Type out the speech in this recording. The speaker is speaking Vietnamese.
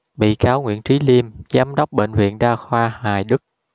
bị cáo nguyễn trí liêm giám đốc bệnh viện đa khoa hoài đức